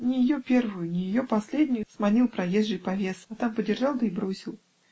Не ее первую, не ее последнюю сманил проезжий повеса, а там подержал, да и бросил.